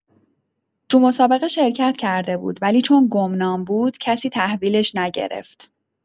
تو مسابقه شرکت کرده بود ولی چون گمنام بود کسی تحویلش نگرفت.